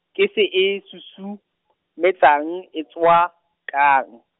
kese e susumetsang, etswa, kang?